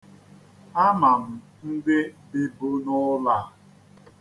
Ama m ndị bibu n'ụlọ a.